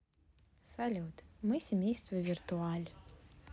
салют мы семейство виртуаль